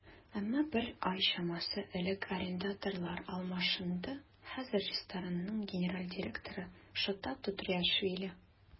Әмма бер ай чамасы элек арендаторлар алмашынды, хәзер ресторанның генераль директоры Шота Тетруашвили.